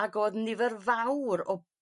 ag odd nifer fawr o